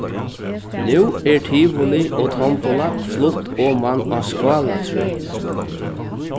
nú er tivoli og tombola flutt oman á skálatrøð